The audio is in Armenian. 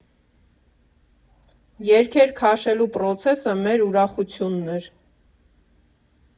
Երգեր քաշելու պրոցեսը մեր ուրախությունն էր։